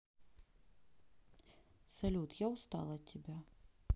салют я устал от тебя